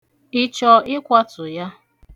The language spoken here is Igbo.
Ị chọ ịkwatu ya?